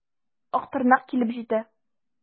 Актырнак килеп җитә.